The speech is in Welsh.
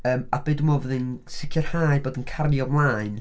Yym a beth dwi'n meddwl fydd yn sicrhau bod hi'n cario ymlaen.